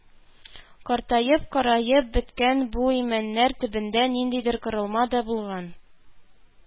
Картаеп, караеп беткән бу имәннәр төбендә ниндидер корылма да булган